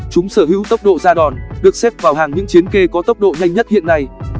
chúng sở hữu tốc độ ra đòn được xếp vào hàng những chiến kê có tốc độ nhanh nhất hiện nay